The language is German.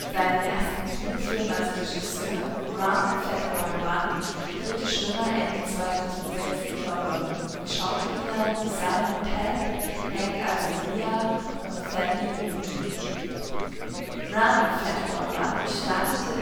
Seinen ersten Kinofilm als Regisseur, Run, Fat Boy, Run drehte Schwimmer Ende 2006 in London, mit Schauspielern wie Simon Pegg, Hank Azaria und Thandie Newton. Run, Fat Boy, Run startete